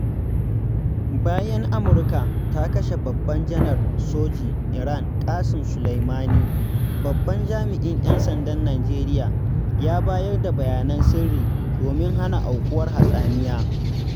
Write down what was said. Bayan Amurka ta kashe babban Janar Sojin Iran ƙasem Soleimani, babban jami'in 'yan sandan Nijeriya ya bayar da bayanan sirri domin hana aukuwar hatsaniya.